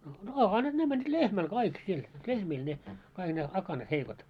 no akanat ne menivät lehmälle kaikki siellä lehmille ne kaikki ne akanat heikot